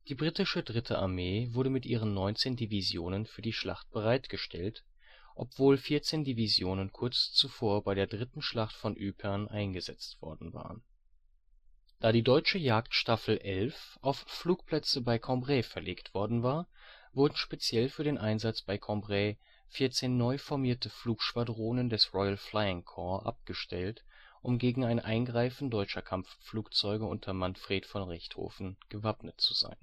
britische dritte Armee wurde mit ihren 19 Divisionen für die Schlacht bereit gestellt, obwohl 14 Divisionen kurz zuvor bei der dritten Schlacht von Ypern eingesetzt worden waren. Da die deutsche Jagdstaffel 11 (Jasta 11) auf Flugplätze bei Cambrai verlegt worden war, wurden speziell für den Einsatz bei Cambrai 14 neu formierte Flugschwadronen des Royal Flying Corps abgestellt, um gegen ein Eingreifen deutscher Kampfflugzeuge unter Manfred von Richthofen gewappnet zu